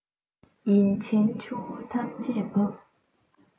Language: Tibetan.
ཡིན ཕྱིར ཆུ བོ ཐམས ཅད འབབ